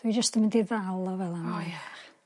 Dwi jyst yn mynd i ddal o fela... O ie.